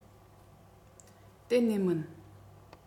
གཏན ནས མིན